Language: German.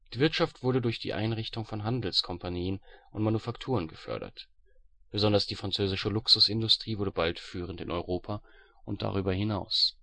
Wirtschaft wurde durch die Einrichtung von Handelskompanien und Manufakturen gefördert. Besonders die französische Luxusindustrie wurde bald führend in Europa und darüber hinaus